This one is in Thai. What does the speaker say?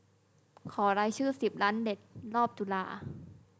ขอรายชื่อสิบร้านเด็ดรอบจุฬา